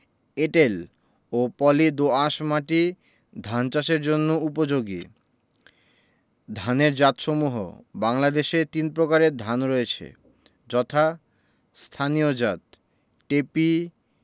এঁটেল ও পলি দোআঁশ মাটি ধান চাষের জন্য উপযোগী ধানের জাতসমূহঃ বাংলাদেশে তিন প্রকারের ধান রয়েছে যথা স্থানীয় জাতঃ টেপি